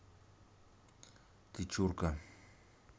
ты чурка